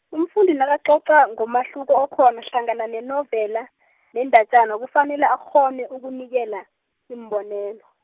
umfundi nakacoca ngomahluko okhona hlangana nenovela, nendatjana kufanele akghone nokunikela, iimbonelo.